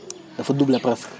dafa doubler presque